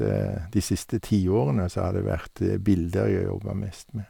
De siste tiårene så har det vært bilder jeg har jobba mest med.